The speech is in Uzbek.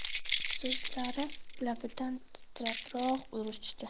so'zlari labidan titrabroq uchdi